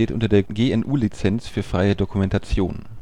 unter der GNU Lizenz für freie Dokumentation